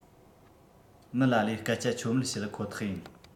མི ལ ལས སྐད ཆ ཆོ མེད བཤད ཁོ ཐག ཡིན